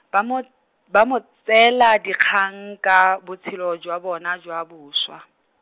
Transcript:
ba mo, ba mo tseela, dikgang ka botshelo jwa bona jwa boswa.